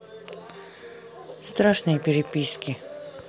страшные переписки